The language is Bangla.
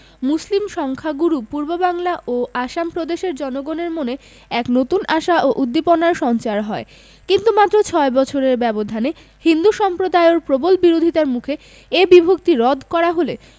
মুসলিম সংখ্যাগুরু পূর্ববাংলা ও আসাম প্রদেশের জনগণের মনে এক নতুন আশা ও উদ্দীপনার সঞ্চার হয় কিন্তু মাত্র ছয় বছরের ব্যবধানে হিন্দু সম্প্রদায়ের প্রবল বিরোধিতার মুখে এ বিভক্তি রদ করা হলে